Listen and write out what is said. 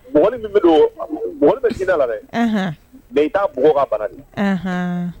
Bugɔli min bɛ don bugɔli bɛ diinɛ na dɛ, anhan, mais i t'a bugɔ k'a bara, anhan